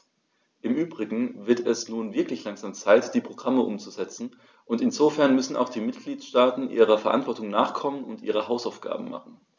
Im übrigen wird es nun wirklich langsam Zeit, die Programme umzusetzen, und insofern müssen auch die Mitgliedstaaten ihrer Verantwortung nachkommen und ihre Hausaufgaben machen.